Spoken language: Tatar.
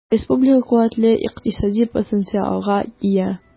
Республика куәтле икътисади потенциалга ия.